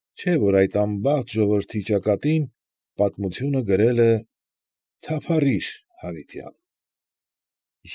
Չէ՞ որ այդ անբախտ ժողովրդի ճակատին պատմությունը գրել է. ֊ Թափառի՛ր հավիտյան։